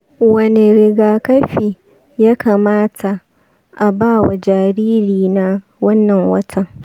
wane rigakafi ya kamata a ba wa jaririna wannan watan?